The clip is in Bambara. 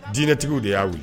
Dinɛtigiww de y'a wuli